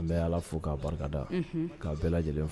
An bɛ ala fo k'a barikada k'a bɛɛ lajɛlen fɛ